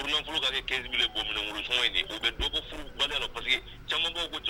Urun kɛ bɔkuru ye u bɛ dɔgɔ furu bali la camanbaw